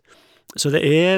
Så det er er...